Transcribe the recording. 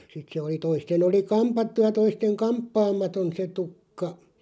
sitten se oli toisten oli kammattu ja toisten kampaamaton se tukka